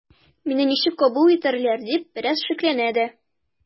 “мине ничек кабул итәрләр” дип бераз шикләнә дә.